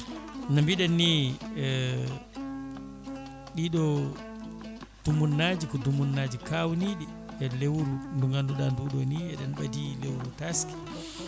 no mbiɗen ni ɗiɗo dumunnaji ko dumunnaji kawniɗi e lewru ndu ganduɗa ndu ɗo ni eɗen ɓaadi lewru taske